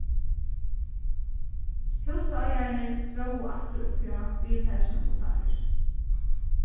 húsaeigararnir svóvu aftur uppi á biltakinum uttanfyri